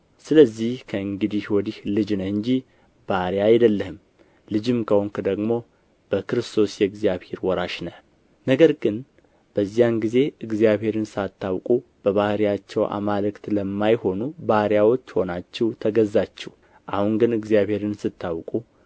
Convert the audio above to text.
ስለዚህ ከእንግዲህ ወዲህ ልጅ ነህ እንጂ ባሪያ አይደለህም ልጅም ከሆንህ ደግሞ በክርስቶስ የእግዚአብሔር ወራሽ ነህ ነገር ግን በዚያን ጊዜ እግዚአብሔርን ሳታውቁ በባሕርያቸው አማልክት ለማይሆኑ ባሪያዎች ሆናችሁ ተገዛችሁ አሁን ግን እግዚአብሔርን ስታውቁ